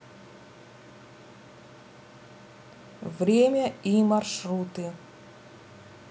время и маршруты